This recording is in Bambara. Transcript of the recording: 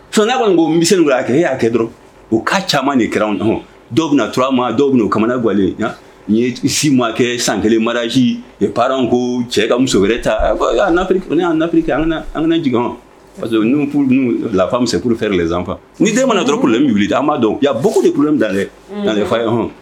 Son ko n ko mini' kɛ e y'a kɛ dɔrɔn u ka ca nin kɛra nɔ dɔw bɛ naura ma dɔw bɛ kamalen bɔlen n ye si makɛ san kelen maraji ye pa ko cɛ ka muso wɛrɛ ta y'f an j furu lafamuso seuru fɛɛrɛ zanfa ni den dɔrɔn kolon bɛ wuli a ma dɔn yan bo de kolon dan dɛ danfa ye hɔn